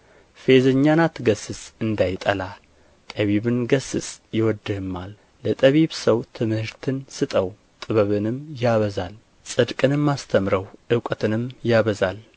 ፌዘኛን አትገሥጽ እንዳይጠላህ ጠቢብን ገሥጽ ይወድድህማል ለጠቢብ ሰው ትምህርትን ስጠው ጥበብንም ያበዛል ጽድቅንም አስተምረው እውቀትንም ያበዛል